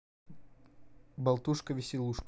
болтушка веселушка